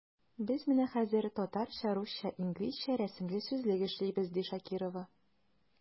Без менә хәзер “Татарча-русча-инглизчә рәсемле сүзлек” эшлибез, ди Шакирова.